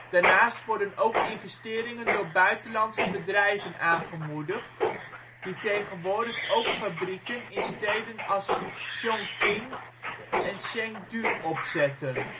Daarnaast worden ook investeringen door (buitenlandse) bedrijven aangemoedigd, die tegenwoordig ook fabrieken in steden als Chongqing en Chengdu opzetten